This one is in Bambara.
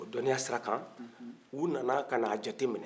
o dɔniya sira kan u nana ka n'a jate minɛ